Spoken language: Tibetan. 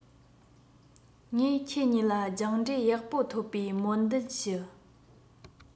ངས ཁྱེད གཉིས ལ སྦྱངས འབྲས ཡག པོ ཐོབ པའི སྨོན འདུན ཞུ